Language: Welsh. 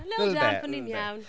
Little damp ond ni’n iawn.